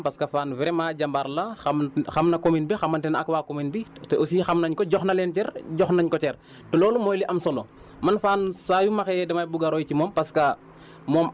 mais su tagg sa bopp daganoon kon mun naa taxaw tagg boppam parce que Fane vraiment jàmbaar la xam xam na commune bi xamante na ak waa commune bi te aussi xam nañ ko jox na leen cër jox nañ ko cër te loolu mooy li am solo